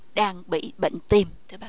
đang bị bệnh tim thưa bác